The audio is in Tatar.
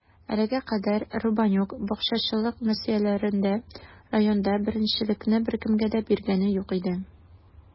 Әлегә кадәр Рубанюк бакчачылык мәсьәләләрендә районда беренчелекне беркемгә дә биргәне юк иде.